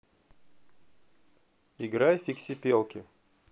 играй фиксипелки